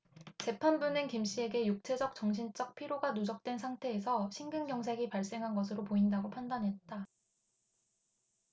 재판부는 김씨에게 육체적 정신적 피로가 누적된 상태에서 심근경색이 발생한 것으로 보인다고 판단했다